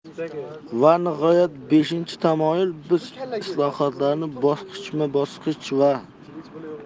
va nihoyat beshinchi tamoyil biz islohotlarni bosqichma bosqich va